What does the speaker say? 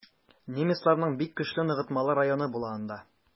Немецларның бик көчле ныгытмалы районы була анда.